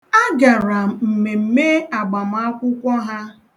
A gara m mmemme agbamakwụkwọ ha.